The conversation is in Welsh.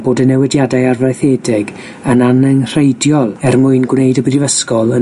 bod y newidiadau arfaethedig yn anenrheidiol er mwyn gwneud y Brifysgol yn